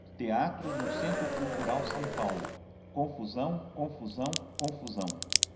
teatro no centro cultural são paulo confusão confusão confusão